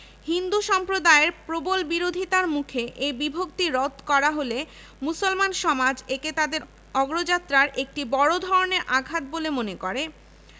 সন্তোষচন্দ্র ভট্টাচার্য ইতিহাস বিভাগ ড. জ্যোতির্ময় গুহঠাকুরতা ইংরেজি বিভাগ প্রফেসর এ.এন মুনীর চৌধুরী বাংলা বিভাগ